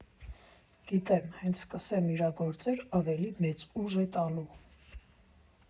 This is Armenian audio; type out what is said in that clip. Գիտեմ՝ հենց սկսեմ իրագործել, ավելի մեծ ուժ է տալու։